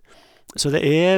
Så det er er...